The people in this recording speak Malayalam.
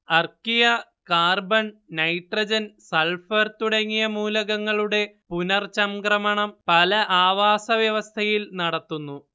അർക്കിയ കാർബൺ നൈട്രജൻ സൾഫർ തുടങ്ങിയ മൂലകങ്ങളുടെ പുനർചംക്രമണം പല ആവാസവ്യവസ്ഥയിൽ നടത്തുന്നു